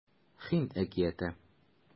Һинд әкияте